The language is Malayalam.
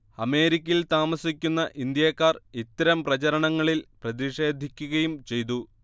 അമേരിക്കയിൽ താമസിക്കുന്ന ഇന്ത്യക്കാർ ഇത്തരം പ്രചരണങ്ങളിൽ പ്രതിഷേധിക്കുകയും ചെയ്തു